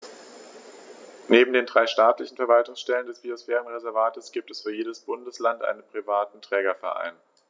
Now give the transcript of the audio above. Neben den drei staatlichen Verwaltungsstellen des Biosphärenreservates gibt es für jedes Bundesland einen privaten Trägerverein.